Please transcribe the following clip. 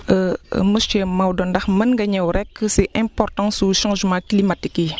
monsieur Maodo ndax mën nga ñëw rek si importance su changement climatique yi